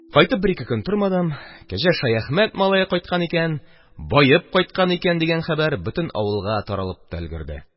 Кайтып бер-ике көн тормадым, Кәҗә Шаяхмәт малае кайткан икән, баеп кайткан икән дигән хәбәр бөтен авылга таралып та өлгерде.